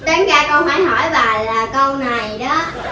đáng ra con phải bà câu này đó